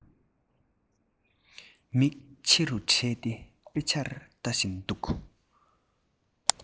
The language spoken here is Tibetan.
མིག ཆེ རུ བགྲད དེ དཔེ ཆར ལྟ བཞིན འདུག